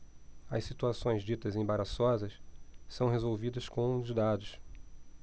as situações ditas embaraçosas são resolvidas com os dados